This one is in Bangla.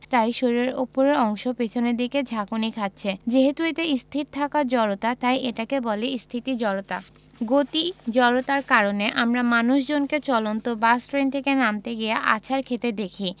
তাই শরীরের ওপরের অংশ পেছনের দিকে ঝাঁকুনি খাচ্ছে যেহেতু এটা স্থির থাকার জড়তা তাই এটাকে বলে স্থিতি জড়তা গতি জড়তার কারণে আমরা মানুষজনকে চলন্ত বাস ট্রেন থেকে নামতে গিয়ে আছাড় খেতে দেখি